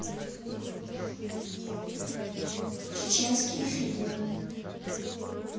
чеченские фильмы